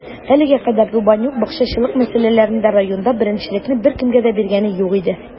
Әлегә кадәр Рубанюк бакчачылык мәсьәләләрендә районда беренчелекне беркемгә дә биргәне юк иде.